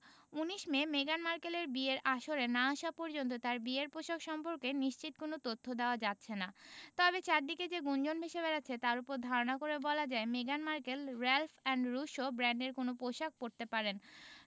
১৯ May মেগান মার্কেলের বিয়ের আসরে না আসা পর্যন্ত তাঁর বিয়ের পোশাক সম্পর্কে নিশ্চিত কোনো তথ্য দেওয়া যাচ্ছে না তবে চারদিকে যে গুঞ্জন ভেসে বেড়াচ্ছে তার ওপর ধারণা করে বলা যায় মেগান মার্কেল রেলফ এন্ড রুশো ব্র্যান্ডের কোনো পোশাক পরতে পারেন